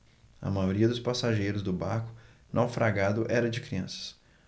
a maioria dos passageiros do barco naufragado era de crianças